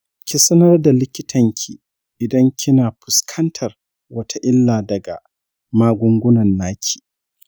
ki sanar da likitanki idan kina fuskantar wata illa daga magungunanki.